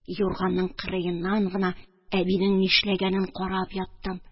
Юрганның кырыеннан гына әбинең нишләгәнен карап яттым